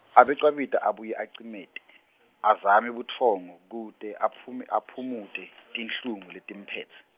abecwabita abuye acimete, azame butfongo, kute aphum- aphumute, tinhlungu letimphetse.